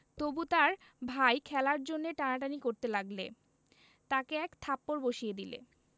তবু তার ভাই খেলার জন্যে টানাটানি করতে লাগলে তাকে এক থাপ্পড় বসিয়ে দিলে